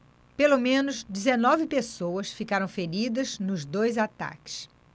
pelo menos dezenove pessoas ficaram feridas nos dois ataques